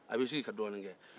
a b'i sigi ka dɔɔnin kɛ